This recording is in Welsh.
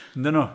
Ydyn nhw?